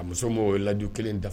Muso'o ladi kelen dafa